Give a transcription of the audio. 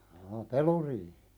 jaa peluriihi